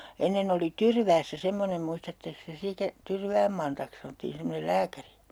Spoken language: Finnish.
ennen oli Tyrväässä semmoinen muistattekos te sitä Tyrvään Mantaksi sanottiin semmoinen lääkäri